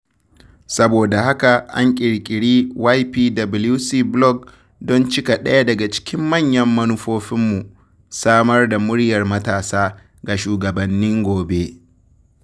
Saboda haka, an ƙirƙiri YPWC Blog don cika ɗaya daga cikin manyan manufofinmu: samar da “muryar matasa” ga shugabannin gobe.